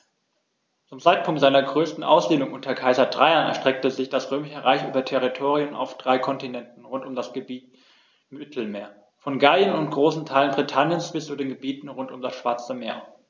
Zum Zeitpunkt seiner größten Ausdehnung unter Kaiser Trajan erstreckte sich das Römische Reich über Territorien auf drei Kontinenten rund um das Mittelmeer: Von Gallien und großen Teilen Britanniens bis zu den Gebieten rund um das Schwarze Meer.